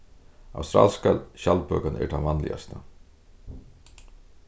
australska skjaldbøkan er tann vanligasta